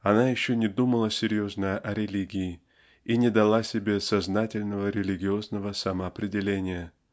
она еще не думала серьезно о религии и не дала себе сознательного религиозного самоопределения